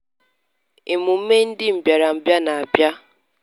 1. Emume ndị mbịarambịa na-abịa.